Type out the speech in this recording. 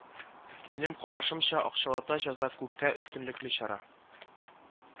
Минем карашымча, акчалата җәза күпкә өстенлекле чара